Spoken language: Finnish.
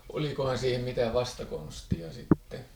olikohan siihen mitään vastakonstia sitten